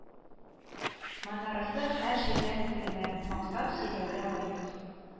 Манарасы һәр җирдән күренә, мактап сөйләүгә лаек